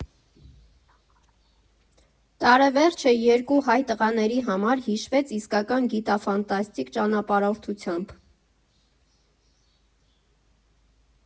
Տարեվերջը երկու հայ տղաների համար հիշվեց իսկական գիտաֆանտաստիկ ճանապարհորդությամբ։